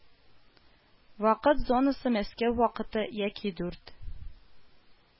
Вакыт зонасы Мәскәү вакыты яки дүрт